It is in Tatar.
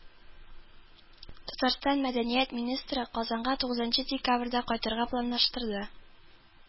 Татарстан мәдәният министры Казанга тугызынчы декабрьдә кайтырга планлаштырды